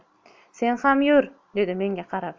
sen ham yur dedi menga qarab